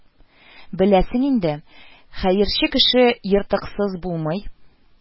Беләсең инде, хәерче кеше ертыксыз булмый